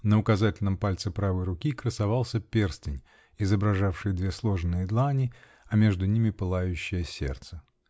На указательном пальце правой руки красовался перстень, изображавший две сложенные длани, а между ними пылающее сердце.